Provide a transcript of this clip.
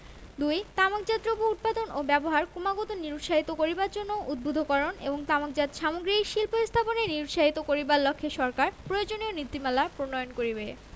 ২ তামাকজাত দ্রব্য উৎপাদন ও ব্যবহার ক্রমাগত নিরুৎসাহিত করিবার জন্য উদ্বুদ্ধকরণ এবং তামাকজাত সামগ্রীর শিল্প স্থাপনে নিরুৎসাহিত করিবার লক্ষ্যে সরকার প্রয়োজনীয় নীতিমালা প্রণয়ন করিবে